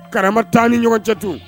Karama t'an ni ɲɔgɔn cɛ tun